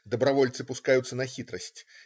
Добровольцы пускаются на хитрость.